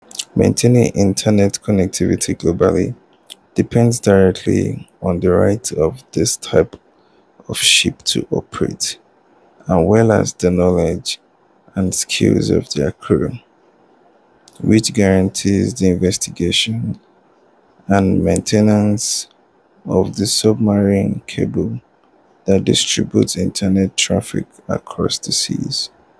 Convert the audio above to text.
Maintaining internet connectivity globally depends directly on the right of this type of ship to operate, as well as the knowledge and skills of their crews, which guarantee the navigation and maintenance of the submarine cables that distribute internet traffic across the seas.